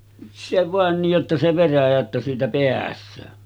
se vain niin jotta se veräjä että siitä pääsee